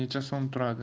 necha so'm turadi